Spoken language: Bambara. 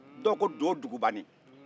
dɔw ko dodugubanin